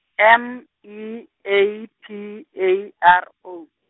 M E A T A R O.